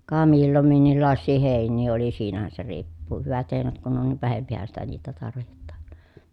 ka milloin minkinlaisia heiniä oli siinähän se riippuu hyvät heinät kun on niin vähempihän sitä niitä tarvitaan